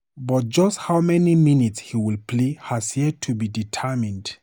But just how many minutes he'll play has yet to be determined.